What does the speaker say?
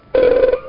San